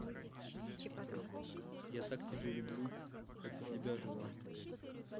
я так тебя люблю это тебя жила